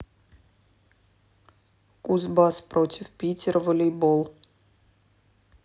кузбасс против питера волейбол